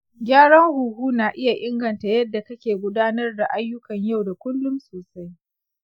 gyaran huhu na iya inganta yadda kake gudanar da ayyukan yau da kullum sosai.